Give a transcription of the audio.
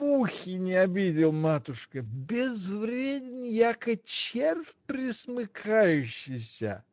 Мухи не обидел, матушка: безвреден, яко червь пресмыкающийся.